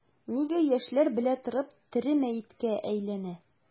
Нигә яшьләр белә торып тере мәеткә әйләнә?